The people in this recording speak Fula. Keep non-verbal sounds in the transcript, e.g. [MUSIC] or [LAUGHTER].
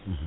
[HESITATION] [HESITATION]